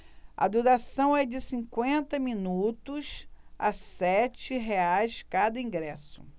a duração é de cinquenta minutos a sete reais cada ingresso